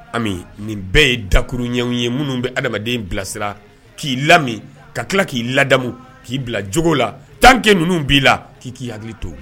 A nin bɛɛ ye dakkuruurunyw ye minnu bɛ adamadamaden bilasira k'i lami ka tila k'i ladamu k'i bilaogo la tanke minnu b'i la k'i k'i hakili to